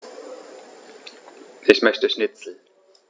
Ich möchte Schnitzel.